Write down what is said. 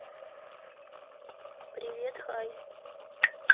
привет хай